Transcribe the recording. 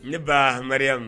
Ne ba maria